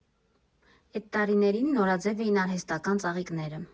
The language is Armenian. Էդ տարիներին նորաձև էին արհեստական ծաղիկները։